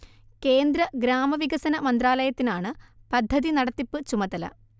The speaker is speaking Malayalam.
കേന്ദ്ര ഗ്രാമവികസന മന്ത്രാലയത്തിനാണ് പദ്ധതി നടത്തിപ്പ് ചുമതല